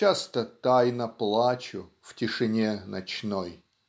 Часто тайно плачу в тишине ночной.